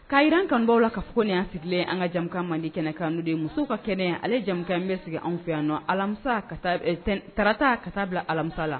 K'a jir'an kanubagaw k'a fɔ ko ni y'an sigilen ye an ka jɛɛmukan mandi kɛnɛ kan n'o de ye muso ka kɛnɛ ye, ale ye jɛɛmukan ye min bɛ sig'an fɛ y'anninɔ alamisa ɛ tarata ka taa bila alamisa la